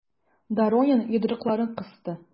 Доронин йодрыкларын кысты.